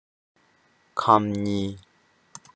ཁམ གཉིས